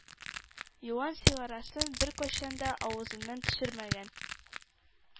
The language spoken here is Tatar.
Юан сигарасын беркайчан да авызыннан төшермәгән